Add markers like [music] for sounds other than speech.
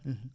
[hesitation] [hesitation]